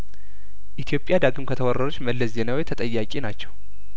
ኢትዮጵያዳግም ከተወረረች መለስ ዜናዊ ተጠያቂ ናቸው